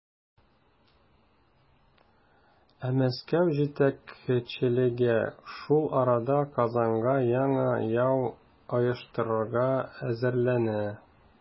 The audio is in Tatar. Ә Мәскәү җитәкчелеге шул арада Казанга яңа яу оештырырга әзерләнә.